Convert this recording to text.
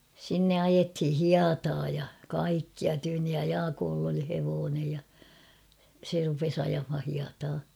sinne ajettiin hietaa ja kaikkia tyynni ja Jaakolla oli hevonen ja se rupesi ajamaan hietaa